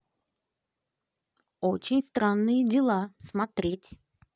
очень странные дела смотреть